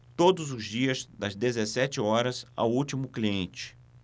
todos os dias das dezessete horas ao último cliente